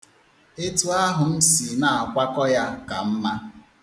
Etu ahụ m si na-akwakọ ya ka mma.